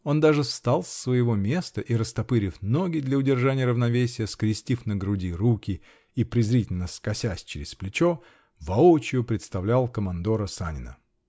Он даже встал с своего места и, растопырив ноги, для удержания равновесия, скрестив на груди руки и презрительно скосясь через плечо, воочию представлял командора-Санина!